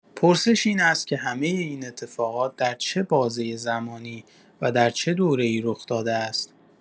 پرسش این است که همۀ این اتفاقات در چه بازۀ زمانی و در چه دوره‌ای رخ‌داده است؟